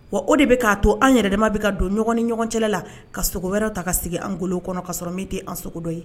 Wa o de bi ka f h eto an yɛrɛ dama bi ka don ɲɔgɔn ni ɲɔgɔn cɛ la ka sogo wɛrɛ ta ka sigi an golo kɔnɔ ka sɔrɔ min tɛ an sogo ye